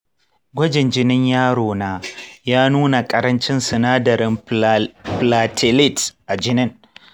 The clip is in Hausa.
gwajin jinin yaro na ya nuna ƙarancin sinadarin platelets a jinin